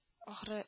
Ахры